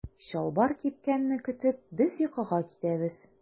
Чалбар кипкәнне көтеп без йокыга китәбез.